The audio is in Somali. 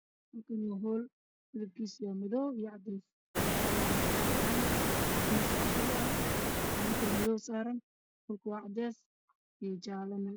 Waa qol waxaa yaalo fadhi midabkiisu yahay caddaan